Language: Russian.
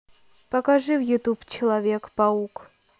покажи в ютуб человек паук